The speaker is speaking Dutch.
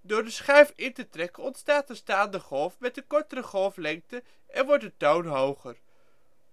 Door de schuif in te trekken ontstaat een staande golf met een kortere golflengte en wordt de toon hoger.